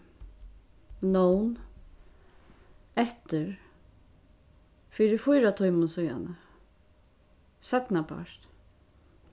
nón eftir fyri fýra tímum síðani seinnapart